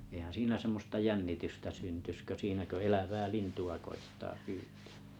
eihän siinä semmoista jännitystä syntyisi kuin siinä kun elävää lintua koettaa pyytää